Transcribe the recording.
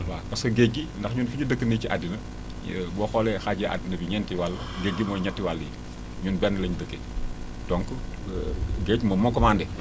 waaw parce que géej gi ndax ñu fi ñu dëkk nii si àddina boo xoolee xaajee àdduna bi ñeenti wàll géej gi mooy ñetti wàll yi ñun benn la ñu dëkkee donc géej moom moo commandé